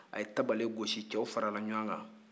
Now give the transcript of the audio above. a tabalen gosi cɛw farala ɲɔgɔn kan